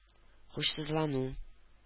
Һушсызлану